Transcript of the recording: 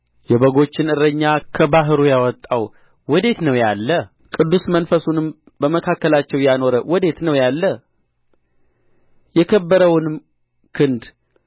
የበጎቹን እረኛ ከባሕሩ ያወጣው ወዴት ነው ያለ ቅዱስ መንፈሱንም በመካከላቸው ያኖረ ወዴት ነው ያለ የከበረውንም ክንድ